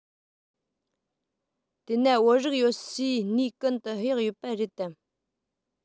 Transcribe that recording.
དེ ན བོད རིགས ཡོད སའི གནས ཀུན ཏུ གཡག ཡོད པ རེད དམ